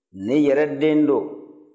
ne yɛrɛ den don